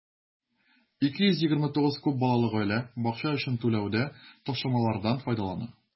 229 күп балалы гаилә бакча өчен түләүдә ташламалардан файдалана.